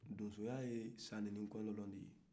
donsoya ye sanɛ ni kɔtɔrɔn de ye